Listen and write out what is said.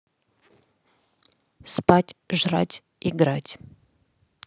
спать жрать играть